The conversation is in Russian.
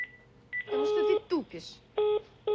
потому что ты тупишь